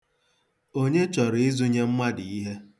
Onye chọrọ ịzụnye mmadụ ihe?